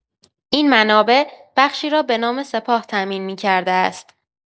این منابع، بخشی را به نام سپاه تامین می‌کرده است.